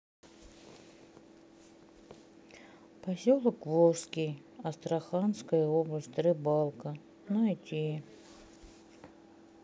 поселок волжский астраханская область рыбалка найти